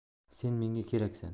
sen menga keraksan